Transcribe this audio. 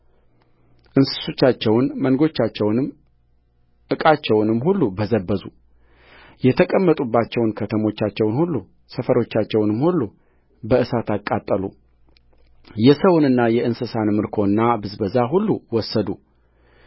እንስሶቻቸውን መንጎቻቸውንም ዕቃቸውንም ሁሉ በዘበዙየተቀመጡባቸውን ከተሞቻቸውን ሁሉ ሰፈሮቻቸውንም ሁሉ በእሳት አቃጠሉየሰውንና የእንስሳን ምርኮና ብዝበዛ ሁሉ ወሰዱ